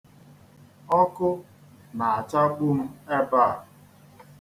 Ọkụ na-achagbu m ebe a.